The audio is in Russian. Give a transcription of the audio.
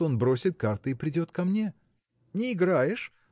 что он бросит карты и придет ко мне. Не играешь?